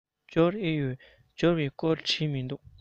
འབྱོར ཨེ ཡོད འབྱོར བའི སྐོར བྲིས མི འདུག